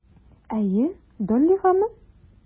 Әйе, Доллигамы?